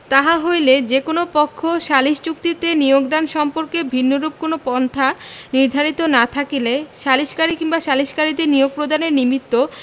তাহা হইলে যে কোন পক্ষ সালিস চুক্তিতে নিয়োগদান সম্পর্কে ভিন্নরূপ কোন পন্থা নির্ধারিত না থাকিলে সালিসকারী কিংবা সালিসকারীদের নিয়োগ প্রদানের নিমিত্ত